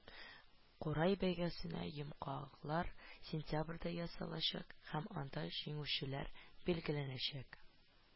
Курай бәйгесенә йомгаклар сентябрьдә ясалачак һәм анда җиңүчеләр билгеләнәчәк